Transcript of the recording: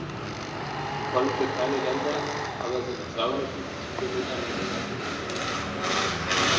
Vor allem für kleine Länder aber sind 250 Kilometer ein ziemlich extremes Minimum.